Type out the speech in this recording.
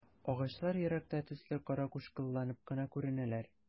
Агачлар еракта төсле каракучкылланып кына күренәләр.